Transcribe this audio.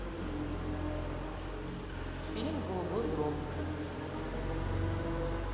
фильм голубой гром